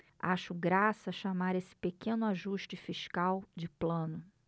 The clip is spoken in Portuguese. acho graça chamar esse pequeno ajuste fiscal de plano